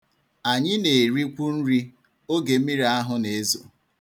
Anyị na-erikwu nri oge mmiri ahụ na-ezo.